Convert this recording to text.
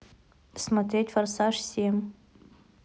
смотреть форсаж семь